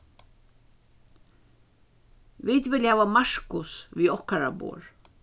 vit vilja hava markus við okkara borð